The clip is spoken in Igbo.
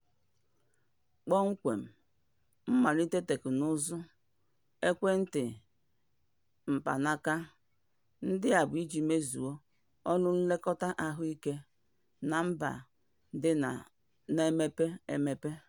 Kpọmkwem, nkwalite teknụzụ ekwentị mkpanaka ndị a bụ iji mezie ọrụ nlekọta ahụike na mba ndị na-emepe emepe.